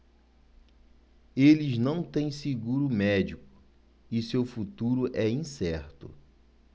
eles não têm seguro médico e seu futuro é incerto